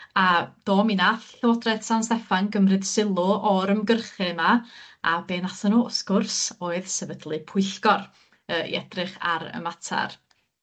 a do mi wnath Llywodraeth San Steffan gymryd sylw o'r ymgyrchu 'ma a be nathon nw sgwrs o'dd sefydlu pwyllgor yy i edrych ar y matar